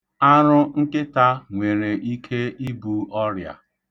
Arụ nkịta nwere ike ibu ọrịa.